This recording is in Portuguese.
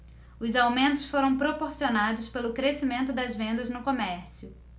os aumentos foram proporcionados pelo crescimento das vendas no comércio